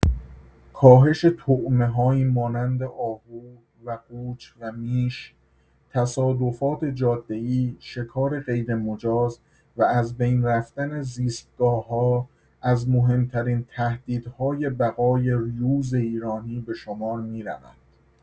کاهش طعمه‌هایی مانند آهو و قوچ و میش، تصادفات جاده‌ای، شکار غیرمجاز و از بین رفتن زیستگاه‌ها از مهم‌ترین تهدیدهای بقای یوز ایرانی به شمار می‌روند.